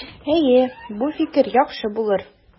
Әйе, бу фикер яхшы булыр.